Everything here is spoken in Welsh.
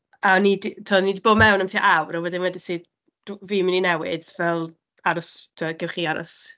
A ni 'di, timod, ni 'di bod mewn am tua awr, a wedyn wedais i, dw "Fi'n mynd i newid fel, aros..." tibod "Gewch chi aros".